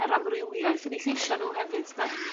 yr amrywiaeth yn 'u lleisia' nhw hefyd 'de?